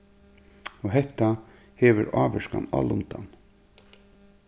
og hetta hevur ávirkan á lundan